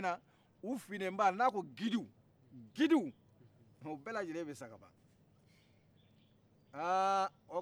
mɛ u bɛɛ lajɛlen bɛ sa k'a ban aa o tuma